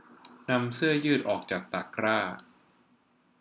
นำเสื้อยืดออกจากตะกร้า